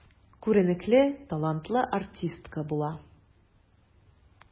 Күренекле, талантлы артистка була.